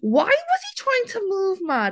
Why was he trying to move mad?